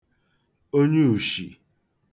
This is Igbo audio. onyuùshì